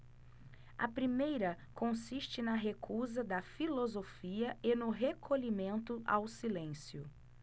a primeira consiste na recusa da filosofia e no recolhimento ao silêncio